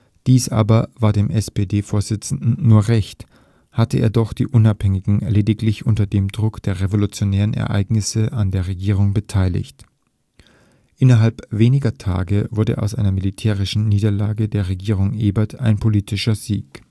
Dies aber war dem SPD-Vorsitzenden nur recht, hatte er doch die Unabhängigen lediglich unter dem Druck der revolutionären Ereignisse an der Regierung beteiligt. Innerhalb weniger Tage wurde aus einer militärischen Niederlage der Regierung Ebert ein politischer Sieg